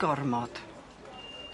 Gormod.